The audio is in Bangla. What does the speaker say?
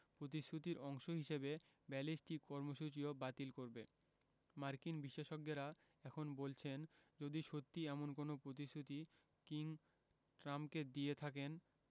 প্রতিশ্রুতির অংশ হিসেবে ব্যালিস্টিক কর্মসূচিও বাতিল করবে মার্কিন বিশেষজ্ঞেরা এখন বলছেন যদি সত্যি এমন কোনো প্রতিশ্রুতি কিম ট্রাম্পকে দিয়ে থাকেন